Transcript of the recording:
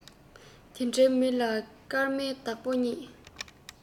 དེ འདྲས མི ལ སྐར མའི བདག པོ རྙེད